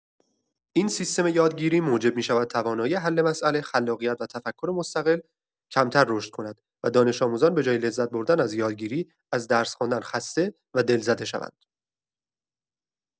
این سیستم یادگیری موجب می‌شود توانایی حل مسئله، خلاقیت و تفکر مستقل کمتر رشد کند و دانش‌آموزان به‌جای لذت‌بردن از یادگیری، از درس خواندن خسته و دل‌زده شوند.